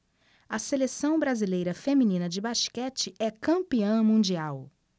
a seleção brasileira feminina de basquete é campeã mundial